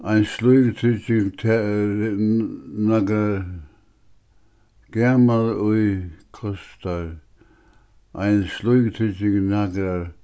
ein slík trygging gaman í kostar ein slík trygging nakrar